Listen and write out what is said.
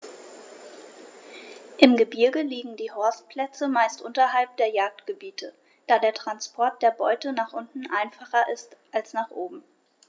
Im Gebirge liegen die Horstplätze meist unterhalb der Jagdgebiete, da der Transport der Beute nach unten einfacher ist als nach oben.